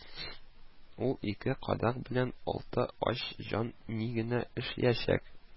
Ул ике кадак белән алты ач җан ни генә эшләячәк